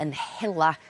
yn hela